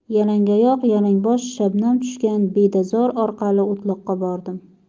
yalangoyoq yalangbosh shabnam tushgan bedazor orqali o'tloqqa bordim